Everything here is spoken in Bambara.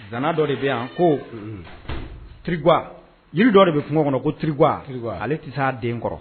Zanana dɔ de bɛ yan ko tiri jiri dɔ de bɛ kungo kɔnɔ ko tiriwa ale tɛ se den kɔrɔ